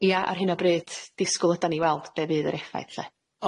Ia ar hyn o bryd disgwl ydan ni i weld be' fydd yr effaith lly.